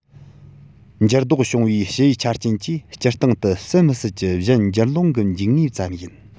འགྱུར ལྡོག བྱུང བའི ཕྱི ཡུལ ཆ རྐྱེན གྱིས སྤྱིར བཏང དུ གསལ མི གསལ གྱི གཞན འགྱུར སློང གི འཇུག ངེས ཙམ ཡིན